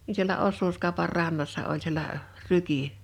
niin siellä osuuskaupan rannassa oli siellä ryki